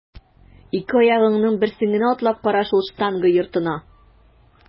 Ике аягыңның берсен генә атлап кара шул штанга йортына!